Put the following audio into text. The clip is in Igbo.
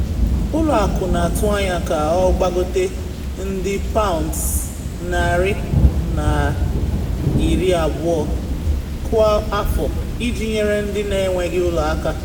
Ụlọ Akụ na atụ anya ka ọ gbagote nde £120 kwa afọ - iji nyere ndị na enweghị ụlọ aka